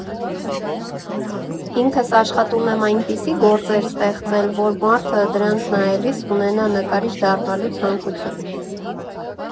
Ինքս աշխատում եմ այնպիսի գործեր ստեղծել, որ մարդը դրանց նայելիս ունենա նկարիչ դառնալու ցանկություն։